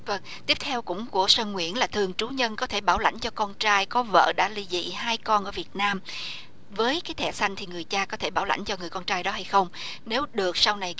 vâng tiếp theo cũng của sơn nguyễn là thường chủ nhân có thể bảo lãnh cho con trai có vợ đã li dị hai con ở việt nam với cái thẻ xanh thì người cha có thể bảo lãnh cho người con trai đó hay không nếu được sau này